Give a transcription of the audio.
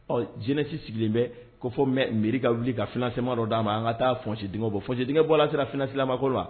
Ɔ jinɛsi sigilen bɛ ko fɔ miiri ka wuli ka fsɛma d'a ma an ka taa fsi denkɛ bɔ fɔsi denkɛgɛbɔla finɛ silama kɔrɔ wa